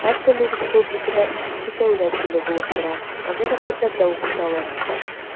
Татар теле республикада икенче дәүләт теле булып тора, аны мәктәпләрдә укыталар.